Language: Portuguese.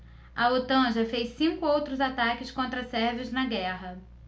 a otan já fez cinco outros ataques contra sérvios na guerra